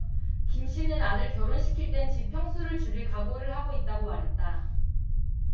김씨는 아들 결혼시킬 땐 집 평수를 줄일 각오를 하고 있다고 말했다